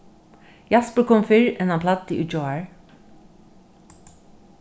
jaspur kom fyrr enn hann plagdi í gjár